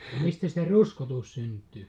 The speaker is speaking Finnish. mistä se ruskotus syntyy